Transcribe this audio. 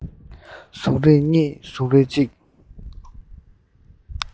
གཟུགས རིས གཉིས གཟུགས རིས གཅིག